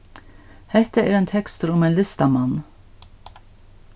hetta er ein tekstur um ein listamann